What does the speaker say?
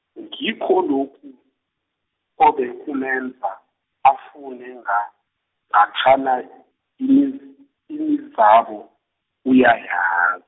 ngikho lokhu, obekumenza, afune nga ngathana imi- imizabo uyaya.